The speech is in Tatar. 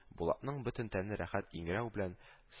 Булатның бөтен тәне рәхәт иңрәү белән